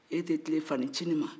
e tɛ tilen fanincinin ma